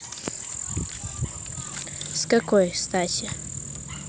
с какой стати